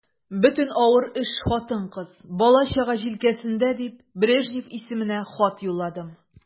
Бөтен авыр эш хатын-кыз, бала-чага җилкәсендә дип, Брежнев исеменә хат юлладым.